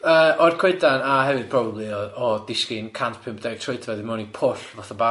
Yy o'r coedan a hefyd probably o o disgyn cant pump deg troedfadd mewn i pwll fatha bach.